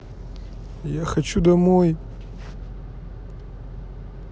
я хочу домой